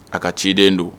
A ka ciden don